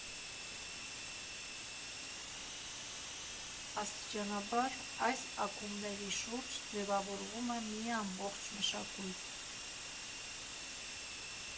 Աստիճանաբար այս ակումբների շուրջ ձևավորվում է մի ամբողջ մշակույթ։